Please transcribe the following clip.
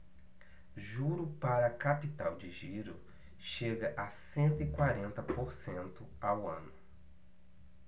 juro para capital de giro chega a cento e quarenta por cento ao ano